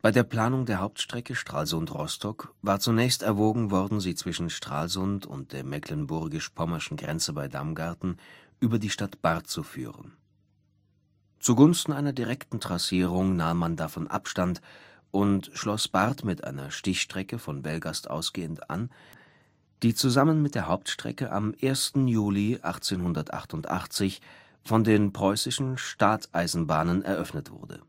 der Planung der Hauptstrecke Stralsund – Rostock war zunächst erwogen worden, sie zwischen Stralsund und der mecklenburgisch-pommerschen Grenze bei Damgarten über die Stadt Barth zu führen. Zugunsten einer direkten Trassierung nahm man davon Abstand und schloss Barth mit einer Stichstrecke von Velgast an, die zusammen mit der Hauptstrecke am 1. Juli 1888 von den Preußischen Staatseisenbahnen eröffnet wurde